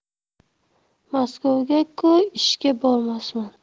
maskovga ku ishga bormasman